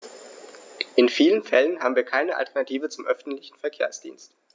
In vielen Fällen haben wir keine Alternative zum öffentlichen Verkehrsdienst.